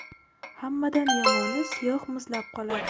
hammadan yomoni siyoh muzlab qoladi